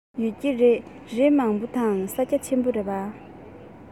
ཡོད ཀྱི རེད རི མང པོ དང ས རྒྱ ཆེན པོ རེད པ